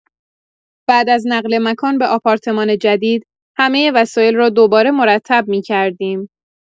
بعد از نقل‌مکان به آپارتمان جدید، همه وسایل را دوباره مرتب می‌کردیم.